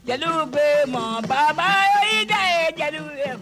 Jeliw bɛ mɔgɔ baba ye i ja ye jeliw ye